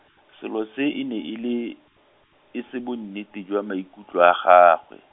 selo se e ne e le, e se bonnete jwa maikutlo a gagwe.